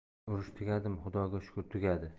urush tugadimi xudoga shukur tugadi